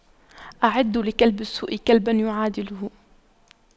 أعدّوا لكلب السوء كلبا يعادله